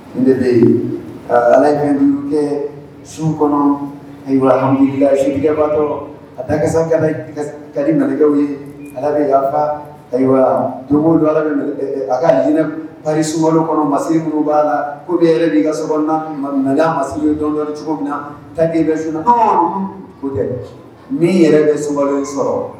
N de de ala ye kɛ su kɔnɔwa sukɛ'tɔ a da kasa ka ka naw ye ala de yafafawa to don ala a ka jinɛinɛ kari suwa kɔnɔ ma se kun b'a la ko bɛ yɛrɛ de ka sɔrɔ na na masi dɔn dɔ cogo min na ka e bɛ sina ko min yɛrɛ bɛ sowa sɔrɔ